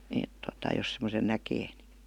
että tuota jos semmoisen näkee niin